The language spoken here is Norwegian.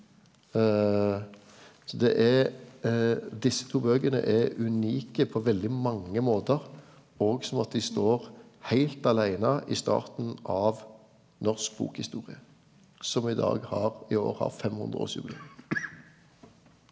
så det er desse to bøkene er unike på veldig mange måtar og sånn at dei står heilt aleine i starten av norsk bokhistorie som i dag har i år har femhundreårsjubileum.